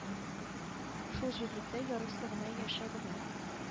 Шул җирлектә ярыйсы гына яшәделәр